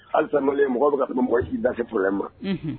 Halisa maliyɛn, mɔgɔ bɛ ka kuma, mɔgɔ si da se problème ma. Unhun.